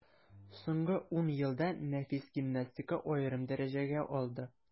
Соңгы ун елда нәфис гимнастика аерым дәрәҗәгә алды.